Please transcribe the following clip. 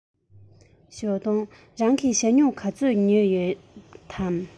ཞའོ ཏུང རང གིས ཞྭ སྨྱུག ག ཚོད ཉོས ཡོད པས